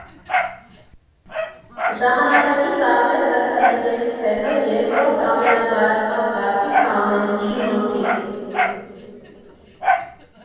Ժամանակակից արվեստը քլնգելուց հետո երկրորդ ամենատարածված կարծիքը ամեն ինչի մասին։